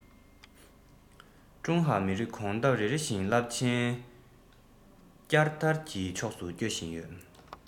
ཀྲུང ཧྭ མི རིགས གོམ སྟབས རེ རེ བཞིན རླབས ཆེན བསྐྱར དར གྱི ཕྱོགས སུ སྐྱོད བཞིན ཡོད